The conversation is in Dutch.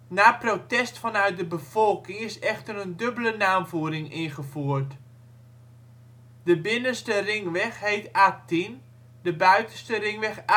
Na protest vanuit de bevolking is echter een dubbele naamvoering ingevoerd. De binnenste ringweg heet A10, de buitenste ringweg A20